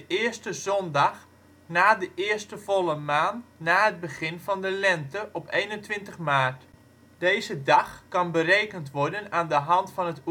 eerste zondag na de eerste volle maan na het begin van de lente (21 maart), deze dag kan berekend worden aan de hand van het